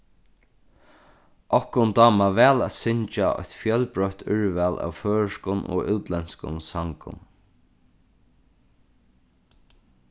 okkum dámar væl at syngja eitt fjølbroytt úrval av føroyskum og útlendskum sangum